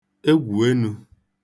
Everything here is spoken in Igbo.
egwùenū